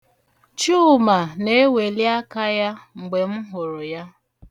Chuma na-eweli aka ya mgbe m hụrụ ya.